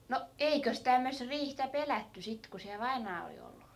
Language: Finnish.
no eikös tämmöistä riihtä pelätty sitten kun siellä vainaja oli ollut